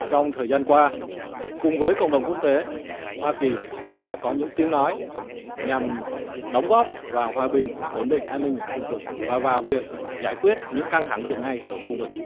trong thời gian qua cùng với cộng đồng quốc tế hoa kỳ cũng đã có những tiếng nói nhằm đóng góp vào hòa bình ổn định an ninh ở khu vực và vào việc giải quyết những căng thẳng hiện nay ở khu vực